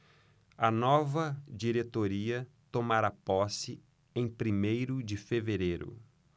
a nova diretoria tomará posse em primeiro de fevereiro